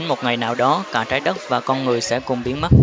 một ngày nào đó cả trái đất và con người sẽ cùng biến mất